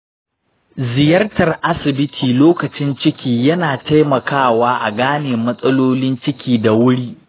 ziyartar asibiti lokacin ciki yana taimakawa a gane matsalolin ciki da wuri.